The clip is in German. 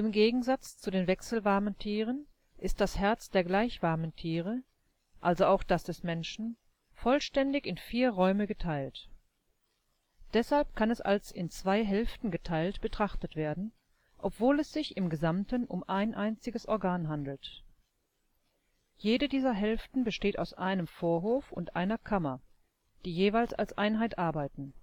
Gegensatz zu den wechselwarmen Tieren ist das Herz der gleichwarmen Tiere, also auch das des Menschen, vollständig in vier Räume geteilt. Deshalb kann es als in zwei Hälften geteilt betrachtet werden, obwohl es sich im gesamten um ein einziges Organ handelt. Jede dieser Hälften besteht aus einem Vorhof und einer Kammer, die jeweils als Einheit arbeiten